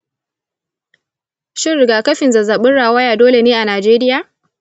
shin rigakafin zazzabin rawaya dole ne a najeriya?